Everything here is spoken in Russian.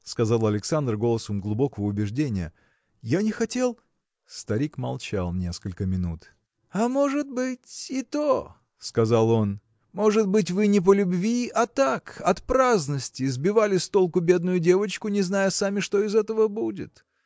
– сказал Александр голосом глубокого убеждения, – я не хотел. Старик молчал несколько минут. – А может быть, и то! – сказал он – может быть вы не по любви а так от праздности сбивали с толку бедную девочку не зная сами что из этого будет?.